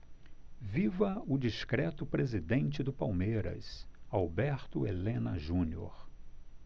viva o discreto presidente do palmeiras alberto helena junior